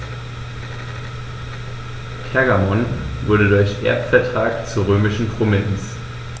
Pergamon wurde durch Erbvertrag zur römischen Provinz.